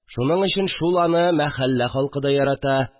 Шуның өчен шул аны мәхәллә халкы да ярата